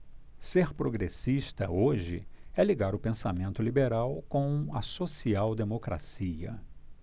ser progressista hoje é ligar o pensamento liberal com a social democracia